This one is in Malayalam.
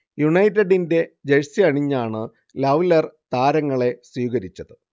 യുണൈറ്റഡിന്റെ ജഴ്സി അണിഞ്ഞാണ് ലവ്ലെർ താരങ്ങളെ സ്വീകരിച്ചത്